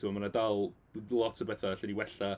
Timod ma' 'na dal lot o betha allwn ni wella.